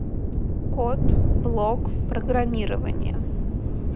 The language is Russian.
кот блог программирование